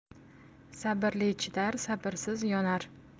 sabrli chidar sabrsiz yonar